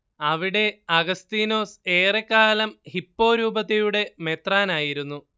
അവിടെ അഗസ്തീനോസ് ഏറെക്കാലം ഹിപ്പോ രൂപതയുടെ മെത്രാനായിരിരുന്നു